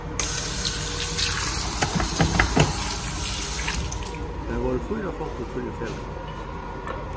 har vóru fýra fólk úr hvørjum felagi